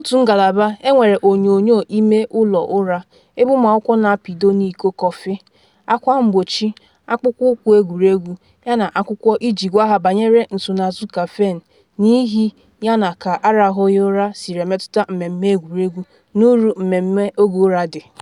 N’otu ngalaba enwere onyonyo ime ụlọ ụra, ebe ụmụ akwụkwọ na-apịdo n’iko kọfị, akwa mgbochi, akpụkpụ ụkwụ egwuregwu yana akwụkwọ iji gwa ha banyere nsonazụ kafin na ihie yana ka arahụghị ụra siri emetụta mmemme egwuregwu, n’uru mmemme oge ụra dị.